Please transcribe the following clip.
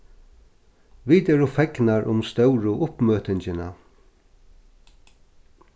vit eru fegnar um stóru uppmøtingina